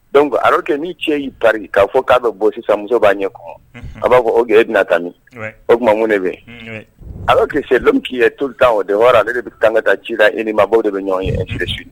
Don arake ni cɛ y'i tari k'a fɔ k'a bɛ bɔ sisan muso b'a ɲɛ kɔnɔ a b'a fɔ o g e tɛna tan o tumakun ne bɛ ala' se dɔn k'i ye to tan o de wara de bɛ ka kan ka taa ci la i nimabaw de bɛ ɲɔgɔn yesi